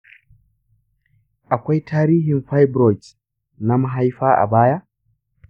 akwai tarihin fibroids na mahaifa a baya?